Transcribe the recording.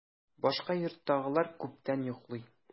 Башка йорттагылар күптән йоклый.